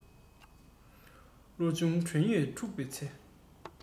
བློ ཆུང གྲོས ཉེས འཁྲུགས པའི ཚེ